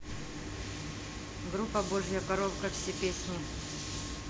группа божья коровка все песни